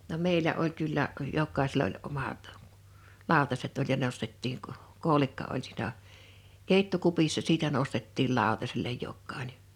no meillä oli kyllä - jokaisella oli omat lautaset oli ja nostettiin - koolikka oli siinä keittokupissa siitä nostettiin lautaselle jokainen